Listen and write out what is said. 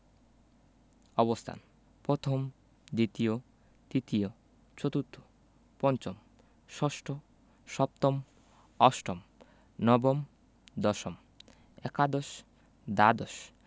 অবস্থানঃ প্রথম দ্বিতীয় তৃতীয় চতুর্থ পঞ্চম ষষ্ঠ সপ্তম অষ্টম নবম দশম একাদশ দ্বাদশ